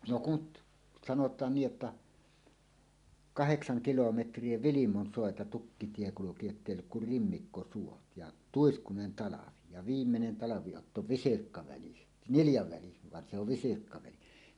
no kun sanotaan niin että kahdeksan kilometriä Vilmonsuota tukkitie kulki jotta ei ollut kuin rimmikkosuot ja tuiskuinen talvi ja viimeinen talviotto visirkkaväli niljaväli vaan se on visirkkaväli